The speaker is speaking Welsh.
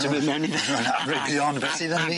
Ti'n mynd mewn i... Anregion be' sy 'dy ni?